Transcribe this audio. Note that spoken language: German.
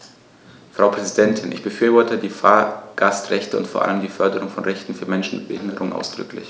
Frau Präsidentin, ich befürworte die Fahrgastrechte und vor allem die Förderung von Rechten für Menschen mit Behinderung ausdrücklich.